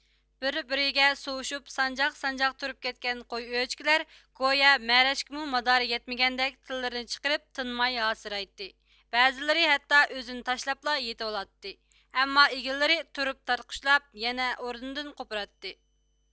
بىر بىرىگە سۇۋۇشۇپ سانجاق سانجاق تۇرۇپ كەتكەن قوي ئۆچكىلەر گويا مەرەشكىمۇ مادارى يەتمىگەندەك تىللىرىنى چىقىرىپ تىنماي ھاسىرايتتى بەزىلىرى ھەتتا ئۆزىنى تاشلاپلا يېتىۋالاتتى ئەمما ئىگلىرى تۇرۇپ تارتقۇشلاپ يەنە ئورنىدىن قوپۇراتتى